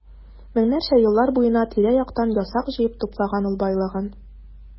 Меңнәрчә еллар буена тирә-яктан ясак җыеп туплаган ул байлыгын.